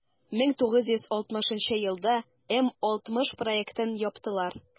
1960 елда м-60 проектын яптылар.